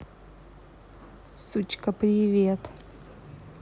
сучка привет